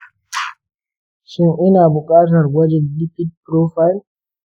shin ina buƙatar gwajin lipid profile?